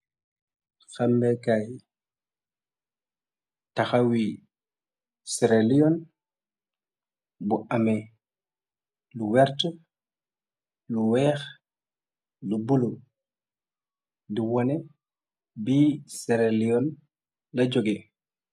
Xammeh kai takhawee sierra leone bu ameh lu werta lu weex lu bulo lu waneh bi sierra leone la jogeh.